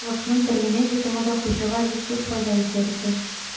Шул сыеклыкның бер генә йотымы да хуҗага бик зур файда итәр иде.